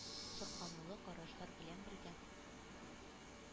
Сокланулы карашлар белән бергә,